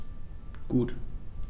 Gut.